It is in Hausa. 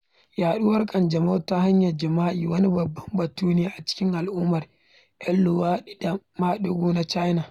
Yaɗuwar ƙanjamau ta hanyar jima'i wani babban batu ne a cikin al'ummar 'yan luwaɗi da maɗigo na China.